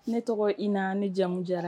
Ne tɔgɔ i na ne jamumu jara